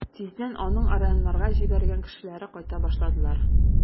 Тиздән аның районнарга җибәргән кешеләре кайта башладылар.